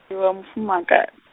ndi wa mufumaka-.